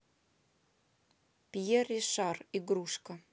пьер ришар игрушка